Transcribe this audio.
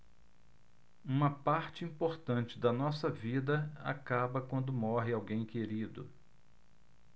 uma parte importante da nossa vida acaba quando morre alguém querido